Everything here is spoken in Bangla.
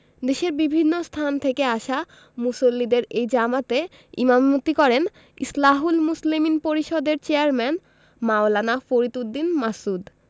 দেশের বিভিন্ন স্থান থেকে আসা মুসল্লিদের এই জামাতে ইমামতি করেন ইসলাহুল মুসলিমিন পরিষদের চেয়ারম্যান মাওলানা ফরিদ উদ্দীন মাসউদ